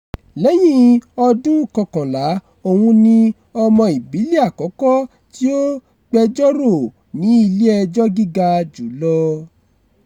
Lẹ́yìn ọdún kọ́kànlá, òun ni ọmọ ìbílẹ̀ àkọ́kọ́ tí ó gbẹjọ́rò ní ilé-ẹjọ́ gíga jùlọ.